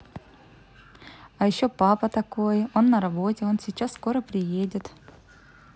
а еще папа такой он на работе он сейчас скоро приедет